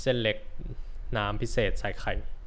เส้นเล็กน้ำพิเศษใส่ไข่